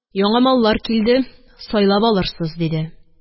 Яңы маллар килде, сайлап алырсыз, – диде.